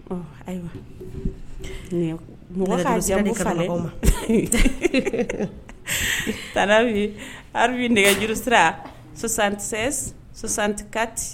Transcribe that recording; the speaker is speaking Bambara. Ayiwa mɔgɔ nɛgɛ jiri sirakati